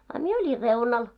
a minä olin reunalla